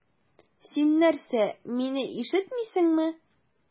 Син нәрсә, мине ишетмисеңме?